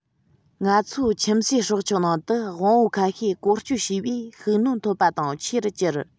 ང ཚོའི ཁྱིམ གསོས སྲོག ཆགས ནང དུ དབང པོ ཁ ཤས བཀོལ སྤྱོད བྱས པས ཤུགས སྣོན ཐོབ པ དང ཆེ རུ གྱུར